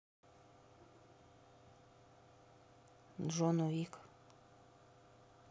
джон уик